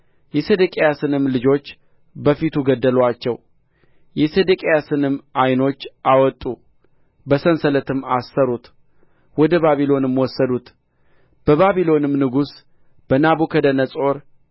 የሴዴቅያስንም ዓይኖች አወጡ በሰንሰለትም አሰሩት ወደ ባቢሎንም ወሰዱት በባቢሎንም ንጉሥ በናቡከደነፆር